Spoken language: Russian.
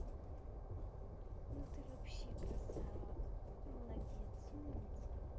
ну ты вообще красава вообще молодец умница